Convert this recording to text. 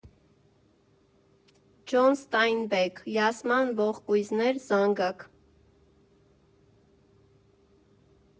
ՋՈՆ ՍԹԱՅՆԲԵՔ, «ՑԱՍՄԱՆ ՈՂԿՈՒՅԶՆԵՐ», ԶԱՆԳԱԿ։